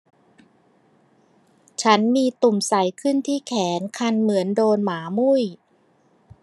ฉันมีตุ่มใสขึ้นที่แขนคันเหมือนโดนหมามุ่ย